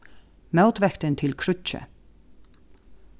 mótvektin til kríggið